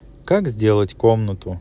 как сделать комнату